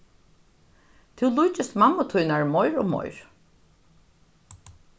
tú líkist mammu tínari meir og meir